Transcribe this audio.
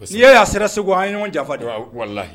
Siya y'a sera segu an ɲɔgɔn janfa